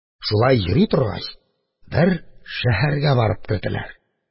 Шулай йөри торгач, бер шәһәргә барып керделәр